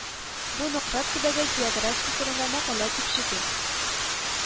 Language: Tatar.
Бу Нократ төбәге географиясе турында мәкалә төпчеге